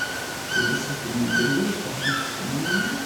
Vi besøkte min bror og hans familie.